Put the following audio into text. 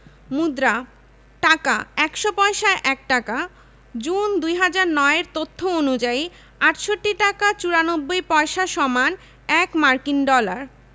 ২০০৯ ১০ অর্থবছরে বাংলাদেশ রপ্তানি করেছে ১৬দশমিক ২ বিলিয়ন মার্কিন ডলার এবং আমদানি করেছে ২৩দশমিক সাত চার বিলিয়ন মার্কিন ডলার